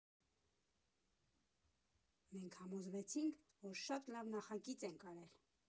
Մենք համոզվեցինք, որ շատ լավ նախագիծ ենք արել։